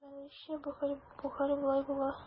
Күргәнегезчә, бу хәл болай була.